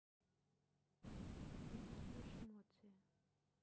ты чувствуешь эмоции